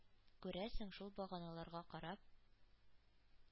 Күрәсең, шул баганаларга карап